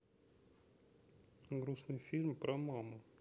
грустный фильм про маму